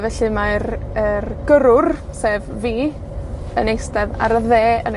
Felly, mae'r yr gyrrwr, sef fi, yn eistedd ar y dde yn y